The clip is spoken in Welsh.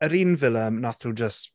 Yr un villa wnaethon nhw jyst…